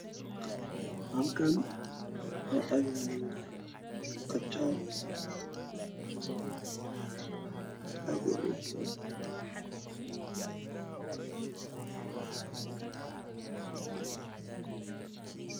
Haklan waxayalo qajar aad io aad ayow ubadanyahay